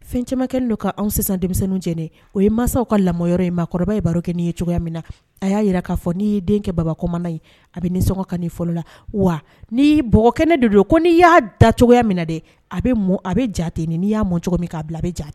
Fɛn camankɛ don ka anwanw sisan denmisɛnnincnen o ye mansaw ka lamɔ yɔrɔ in maakɔrɔba ye baro kɛ n'i ye cogoya min na a y'a jira k'a fɔ n'i yei denkɛ kɛ babama ye a bɛ nin nisɔngɔ ka fɔlɔ la wa n bɔɔgɔkɛ ne de don ko n'i y'a da cogoya min na de a bɛ mɔ a bɛ ja ten nin nii y'a cogo min'a bila a bɛ ja